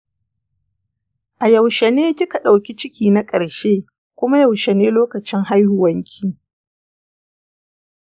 a yaushe ne ki ka dauki ciki na ƙarshe kuma yaushe ne lokacin haihuwanki?